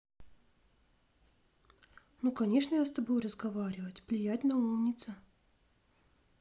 ну конечно я с тобой разговаривать плиять на умница